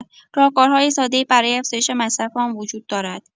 راهکارهای ساده‌ای برای افزایش مصرف آن وجود دارد؛